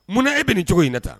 Munna e bɛ nin cogo in na taa